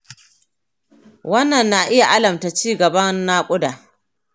wannan na iya alamta cigaban naƙuda